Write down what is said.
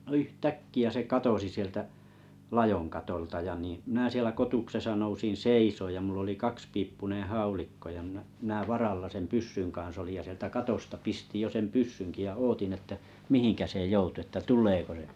no yhtäkkiä se katosi sieltä ladon katolta ja niin ja minä siellä kotuksessa nousin seisomaan ja minulla oli kaksipiippuinen haulikko ja minä minä varalla sen pyssyn kanssa olin ja sieltä katosta pistin jo sen pyssynkin ja odotin että mihinkä se joutui että tuleeko se